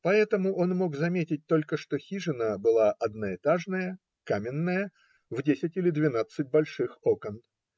поэтому он мог заметить только, что хижина была одноэтажная, каменная, в десять или двенадцать больших окон.